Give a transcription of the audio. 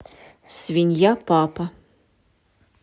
свинья папа